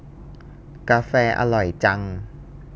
กาแฟอร่อยจัง